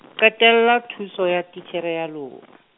qetella thuso ya titjhere ya lona.